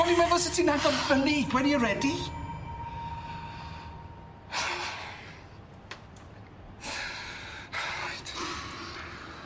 O'n i'n meddwl sa ti'n agor fyny, when you're ready. Reit.